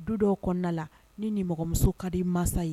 Du dɔw kɔnɔna la ni ni mɔgɔmuso ka di mansa ye